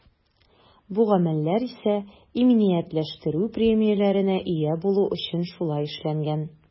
Бу гамәлләр исә иминиятләштерү премияләренә ия булу өчен шулай эшләнгән.